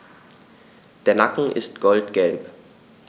Der Nacken ist goldgelb.